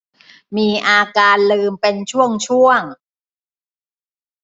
มีอาการลืมเป็นช่วงช่วง